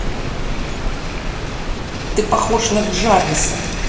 ты похож на джарвиса